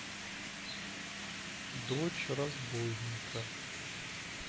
дочь разбойника